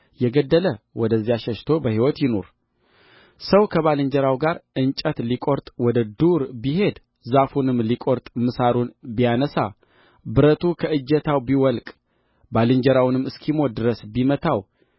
የገደለ ወደዚያ ሸሽቶ በሕይወት ይኑር ሰው ከባልንጀራው ጋር እንጨት ሊቈርጥ ወደ ዱር ቢሄድ ዛፉንም ሊቈርጥ ምሳሩን ሲያነሣ ብረቱ ከእጀታው ቢወልቅ ባልንጀራውንም እስኪሞት ድረስ ቢመታው